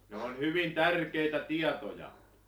ne on hyvin tärkeitä tietoja